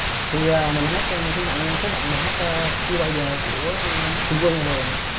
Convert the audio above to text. thì mình hát mình xin tặng các bạn bài hát chưa bao giờ của trung quân ai đồ ạ